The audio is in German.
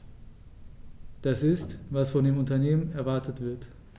Das ist, was von den Unternehmen erwartet wird.